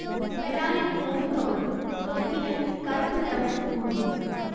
melanin കൂടുംതോറും ത്വക്കിന് കറുപ്പു നിറവും കൂടും